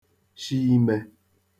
shi imē